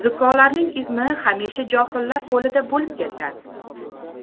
zukkolarning izmi hamisha johillar qo'lida bo'lib kelgan